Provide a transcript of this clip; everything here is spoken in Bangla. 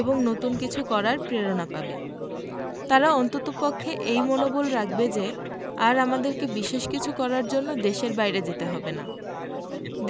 এবং নতুন কিছু করার প্রেরণা পাবে তারা অন্ততপক্ষে এই মনোবল রাখবে যে আর আমাদেরকে বিশেষ কিছু করার জন্য দেশের বাইরে যেতে হবে না